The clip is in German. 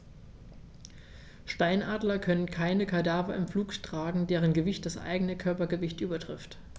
Steinadler können keine Kadaver im Flug tragen, deren Gewicht das eigene Körpergewicht übertrifft.